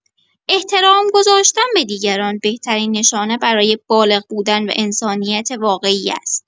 احترام گذاشتن به دیگران بهترین نشانه برای بالغ بودن و انسانیت واقعی است.